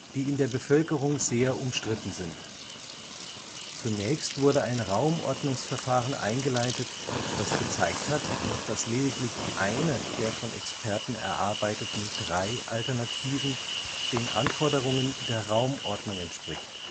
die in der Bevölkerung sehr umstritten sind. Zunächst wurde ein Raumordnungsverfahren eingeleitet, das gezeigt hat, dass lediglich eine der von Experten erarbeiteten drei Alternativen den Anforderungen der Raumordnung entspricht